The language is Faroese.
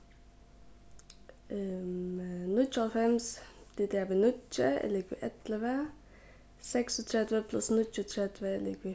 níggjuoghálvfems dividerað við níggju er ligvið ellivu seksogtretivu pluss níggjuogtretivu er ligvið